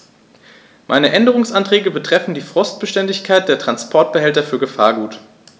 Meine Änderungsanträge betreffen die Frostbeständigkeit der Transportbehälter für Gefahrgut.